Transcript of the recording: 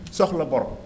soxla bor